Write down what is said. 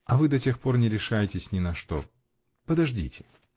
а вы до тех пор не решайтесь ни на что. подождите!